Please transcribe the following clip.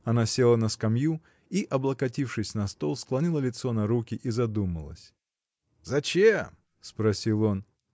Она села на скамью и, облокотившись на стол, склонила лицо на руки и задумалась. — Зачем? — спросил он.